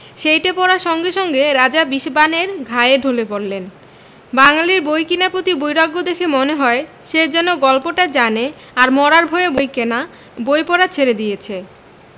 সেইটে পড়ার সঙ্গে সঙ্গে রাজা বিষবাণের ঘায়ে ঢলে পড়লেন বাঙালীর বই কেনার প্রতি বৈরাগ্য দেখে মনে হয় সে যেন গল্পটা জানে আর মরার ভয়ে বই কেনা বই পড়া ছেড়ে দিয়েছে